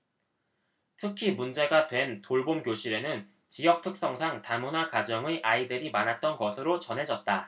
특히 문제가 된 돌봄교실에는 지역 특성상 다문화 가정의 아이들이 많았던 것으로 전해졌다